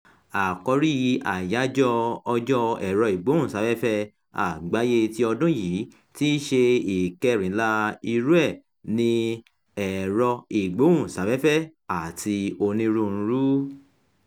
Àkórí Àyájọ́ Ọjọ́ Ẹ̀rọ-ìgbóhùnsáfẹ́fẹ́ Àgbáyé ti ọdún yìí, tí í ṣe ìkẹrìnlá irú ẹ̀ ni "Ẹ̀rọ-ìgbóhùnsáfẹ́fẹ́ àti Onírúurú."